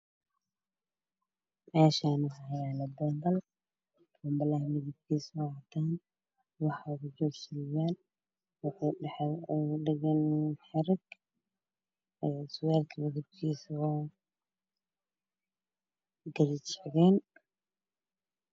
Meshan waxaa yala banbal waxaa ugu jira surwal waxaa ku dhegan xarig midabku waa gaduud